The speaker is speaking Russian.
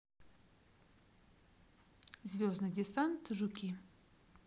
звездный десант жуки